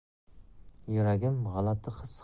yuragim g'alati his